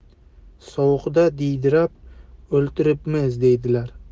sovuqda diydirab o'ltiribmiz deydilar